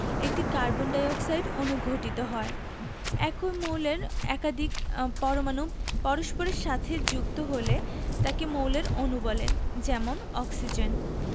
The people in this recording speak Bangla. একটি কার্বন ডাই অক্সাইড অণু গঠিত হয় একই মৌলের একাধিক পরমাণু পরস্পরের সাথে যুক্ত হলে তাকে মৌলের অণু বলে যেমন অক্সিজেন